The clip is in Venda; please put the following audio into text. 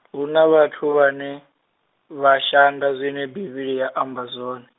huna vhathu vhane, vha shanda zwine Bivhili ya amba zwone.